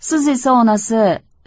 siz esa onasi